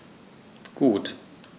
Gut.